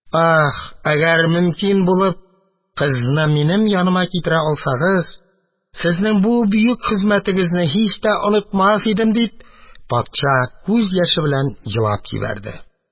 Аһ, әгәр мөмкин булып, кызны минем яныма китерә алсагыз, сезнең бу бөек хезмәтегезне һич тә онытмас идем! – дип, патша күз яше белән елап җибәрде.